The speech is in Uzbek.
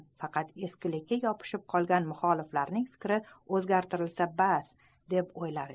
faqat eskilikka yopishib qolgan muxoliflarning fikri o'zgartirilsa bas deb o'ylar edilar